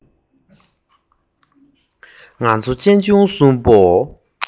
ང ཚོ གཅེན གཅུང གསུམ པོ